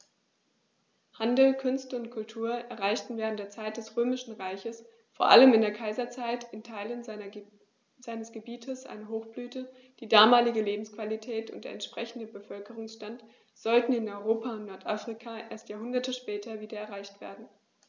Handel, Künste und Kultur erreichten während der Zeit des Römischen Reiches, vor allem in der Kaiserzeit, in Teilen seines Gebietes eine Hochblüte, die damalige Lebensqualität und der entsprechende Bevölkerungsstand sollten in Europa und Nordafrika erst Jahrhunderte später wieder erreicht werden.